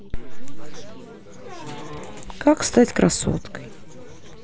как стать красоткой